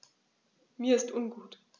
Mir ist ungut.